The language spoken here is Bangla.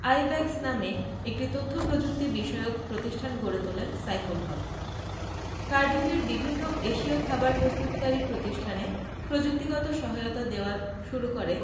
আইব্যাকস নামে একটি তথ্যপ্রযুক্তিবিষয়ক প্রতিষ্ঠান গড়ে তোলেন সাইফুল হক কার্ডিফের বিভিন্ন এশীয় খাবার প্রস্তুতকারী প্রতিষ্ঠানে প্রযুক্তিগত সহায়তা দেওয়া শুরু করে